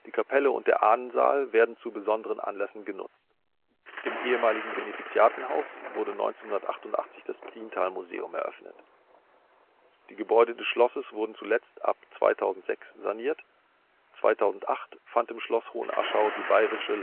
Kapelle und der Ahnensaal werden zu besonderen Anlässen genutzt. Im ehemaligen Benefiziatenhaus wurde 1988 das Priental-Museum eröffnet. Die Gebäude des Schlosses wurden zuletzt ab 2006 saniert. 2008 fand im Schloss Hohenaschau die Bayerische